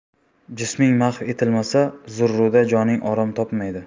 jisming mahv etilmasa zurruda joning orom topmaydi